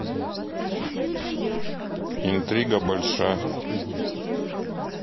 интрига больша